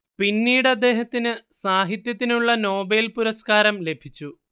പിന്നീട് അദ്ദേഹത്തിനു സാഹിത്യത്തിനുള്ള നോബേൽ പുരസ്കാരം ലഭിച്ചു